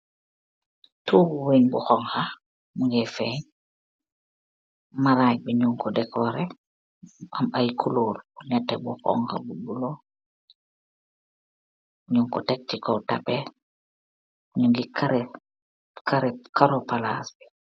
tokgu wench bu houka.